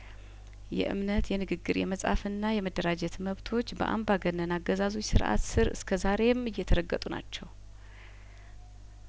የእምነት የንግግር የመጻፍና የመደራጀት መብቶች በአምባገነን አገዛዞች ስርአት ስር እስከ ዛሬም እየተረገጡ ናቸው